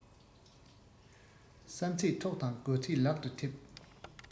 བསམ ཚད ཐོག དང དགོས ཚད ལག ཏུ ཐེབས